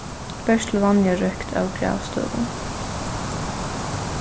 bert til vanliga røkt av gravstøðum